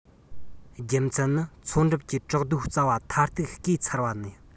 རྒྱུ མཚན ནི མཚོ འགྲམ གྱི བྲག རྡོའི རྩ བ མཐར ཐུག བརྐོས ཚར བ ན